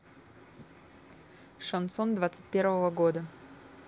шансон двадцать первого года